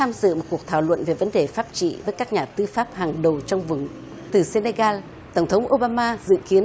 tham dự một cuộc thảo luận về vấn đề pháp trị với các nhà tư pháp hàng đầu trong vừng từ se ni ga tổng thống ô ba ma dự kiến